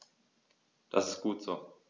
Das ist gut so.